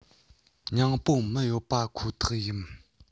ཉིང པོ མི ཡོད པ ཁོ ཐག ཡིན